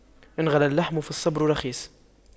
إن غلا اللحم فالصبر رخيص